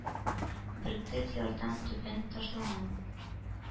Бөркет ярдан түбән ташлана.